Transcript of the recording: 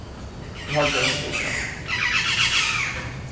eg haldi at hetta er satt